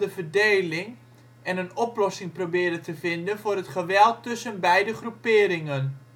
verdeling en een oplossing probeerde te vinden voor het geweld tussen beide groeperingen